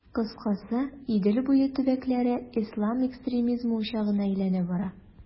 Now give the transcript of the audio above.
Кыскасы, Идел буе төбәкләре ислам экстремизмы учагына әйләнә бара.